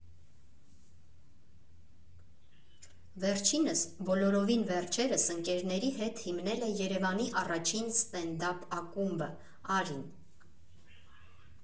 Վերջինս բոլորովին վերջերս ընկերների հետ հիմնել է Երևանի առաջին ստենդափ ակումբը՝ «Արին»։